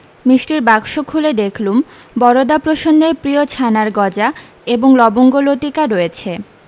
মিষ্টির বাক্স খুলে দেখলুম বরদাপ্রসন্নের প্রিয় ছানার গজা এবং লবঙ্গ লতিকা রয়েছে